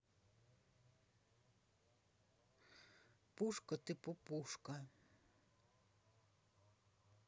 пушка ты пупушка